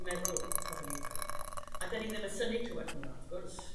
meddwl pobl ifanc a dyn ni ddim yn synnu cl'wad hwnna w'th gwrs.